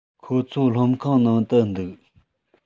ཁོ ཚོ སློབ ཁང ནང དུ འདུག